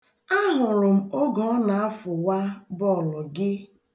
Ahụrụ m oge ọ na-afụwa bọọlụ gị.